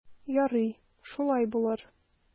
Ярый, шулай булыр.